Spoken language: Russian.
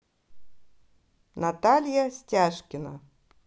наталья стяжкина